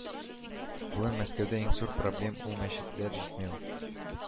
Бүген Мәскәүдә иң зур проблем ул мәчетләр җитмәү